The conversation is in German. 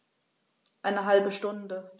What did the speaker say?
Eine halbe Stunde